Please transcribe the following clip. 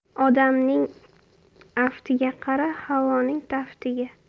odamning aftiga qara havoning taftiga